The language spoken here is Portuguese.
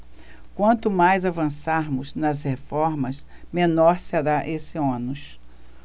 quanto mais avançarmos nas reformas menor será esse ônus